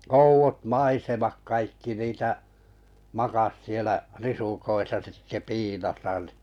oudot maisemat kaikki niitä makasi siellä risukoissa sitten piilossa niin